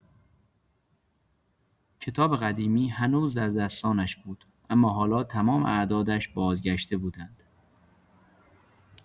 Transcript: کتاب قدیمی هنوز در دستانش بود، اما حالا تمام اعدادش بازگشته بودند.